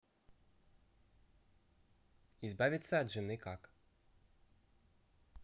избавиться от жены как